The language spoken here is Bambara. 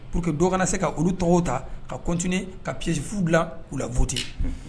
Pur que dɔ kana se ka olu tɔgɔ ta ka cot ka psi bila u la fut